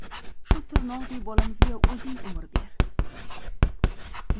shu tirnoqdek bolamizga o'zing umr ber